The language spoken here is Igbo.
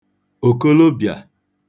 òkolobịà